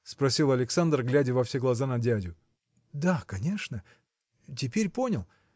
– спросил Александр, глядя во все глаза на дядю. – Да, конечно. теперь понял.